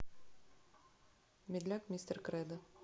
медляк мистер кредо